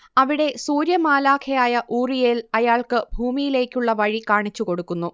അവിടെ സൂര്യമാലാഖയായ ഊറിയേൽ അയാൾക്ക് ഭൂമിയിലേയ്ക്കുള്ള വഴി കാണിച്ചുകൊടുക്കുന്നു